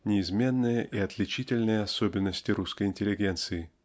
неизменные и отличительные особенности русской интеллигенции.